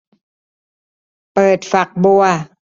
เปิดฝักบัว